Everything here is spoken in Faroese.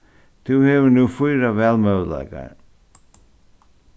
tú hevur nú fýra valmøguleikar